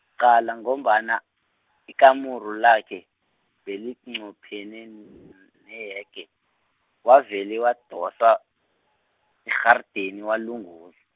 qala ngombana, ikamero lakhe, belinqophene n- neyege, wavele wadosa, irharideni walunguza.